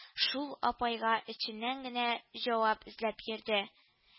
Шул апайга эченнән генә җавап эзләп йөрде